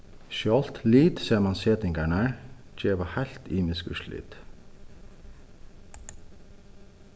sjálvt litsamansetingarnar geva heilt ymisk úrslit